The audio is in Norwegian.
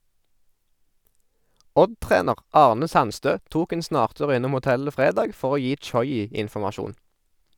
Odd-trener Arne Sandstø tok en snartur innom hotellet fredag for å gi Tchoyi informasjon.